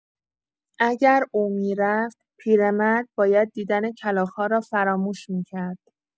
اگر او می‌رفت، پیرمرد باید دیدن کلاغ‌ها را فراموش می‌کرد.